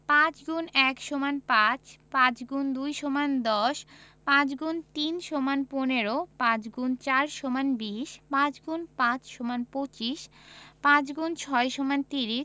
৫× ১ = ৫ ৫× ২ = ১০ ৫× ৩ = ১৫ ৫× ৪ = ২০ ৫× ৫ = ২৫ ৫x ৬ = ৩০